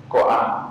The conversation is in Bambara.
Ko